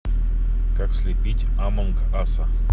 как слепить амонг аса